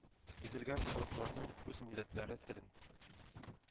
Изелгән халыкларның үз милләтләре телен,